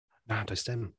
Na, does dim.